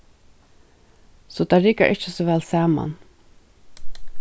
so tað riggar ikki so væl saman